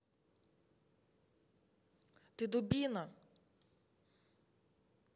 ты дубина